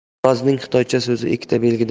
inqirozning xitoycha so'zi ikkita belgidan